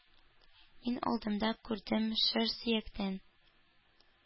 Мин алдымда күрдем шыр сөяктән